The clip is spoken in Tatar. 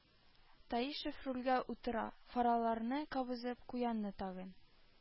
Таишев рульгә утыра, фараларны кабызып куянны тагын